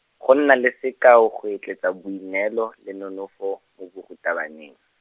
go nna le sekao go etleetsa boineelo, le nonofo, mo barutabaneng.